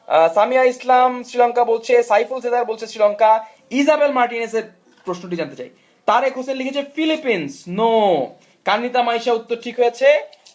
সামিয়া ইসলাম শ্রীলংকা বলছে সাইফুল সাদফ বলছে শ্রীলংকা ইজাবেল মার্টিনেজের প্রশ্নটি জানতে চাই আরেক হোসেন লিখেছে ফিলিপিনস নো কাঙ্খিতা মাইশা উত্তর ঠিক হয়েছে